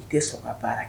U tɛ sɔn ka baara kɛ